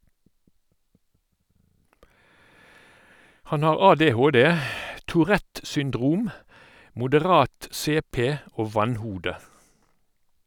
Han har ADHD, tourette syndrom, moderat CP og vannhode.